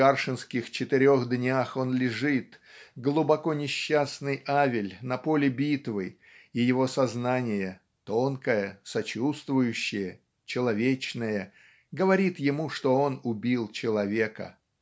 в гаршинских "Четырех днях" он лежит глубоко несчастный Авель на поле битвы и его сознание тонкое сочувствующее человечное говорит ему что он убил человека.